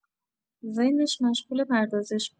ذهنش مشغول پردازش بود